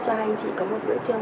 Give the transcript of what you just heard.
cho